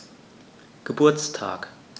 Geburtstag